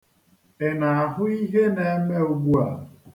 Ị na-ahụ ihe na-eme ugbua?